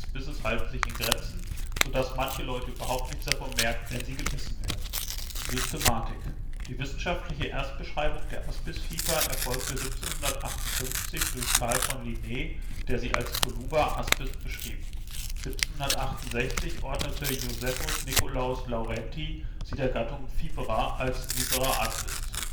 Bisses halten sich in Grenzen, sodass manche Leute überhaupt nichts davon merken, wenn sie gebissen werden. Die wissenschaftliche Erstbeschreibung der Aspisviper erfolgte 1758 durch Carl von Linné, der sie als Coluber aspis beschrieb. 1768 ordnete Josephus Nicolaus Laurenti sie der Gattung Vipera als Vipera aspis zu